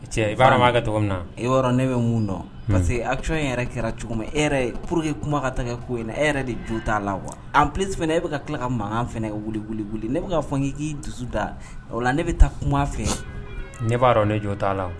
Cɛmakɛ min na yɔrɔ ne bɛ mun dɔn parce que a cogoya in yɛrɛ kɛra cogo min e ye pur que kuma ka ta ko yen e yɛrɛ de jo t'a la wa an psi fana e bɛ ka tila ka makan fana wuli wuli wuli ne bɛ ka fɔ n' k' dusu da la ne bɛ taa kuma fɛ ne b'a dɔn ne jo t'a la